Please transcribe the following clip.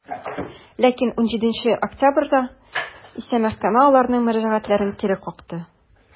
Ләкин 17 октябрьдә исә мәхкәмә аларның мөрәҗәгатен кире какты.